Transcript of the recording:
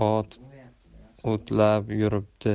ot o'tlab yuribdi